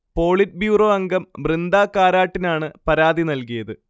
polit bureau അംഗം ബൃന്ദാ കാരാട്ടിനാണ് പരാതി നൽകിയത്